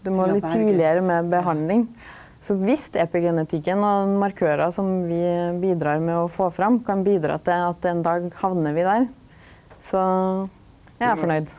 du må litt tidlegare med behandling, så viss epigenetikken og markørar som vi bidreg med å få fram kan bidra til at ein dag hamnar vi der så er eg fornøgd.